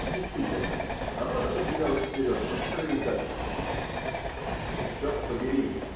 И действительно, работа подвигалась вперед быстро и удачно. Черт побери!